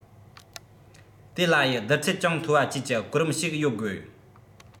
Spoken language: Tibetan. དེ ལ ཡི བསྡུར ཚད ཅུང མཐོ བ བཅས ཀྱི གོ རིམ ཞིག ཡོད དགོས